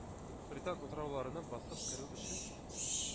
Британ утрауларына басып керү өчен...